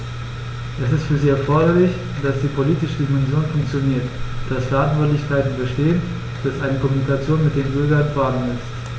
Es ist für sie erforderlich, dass die politische Dimension funktioniert, dass Verantwortlichkeiten bestehen, dass eine Kommunikation mit den Bürgern vorhanden ist.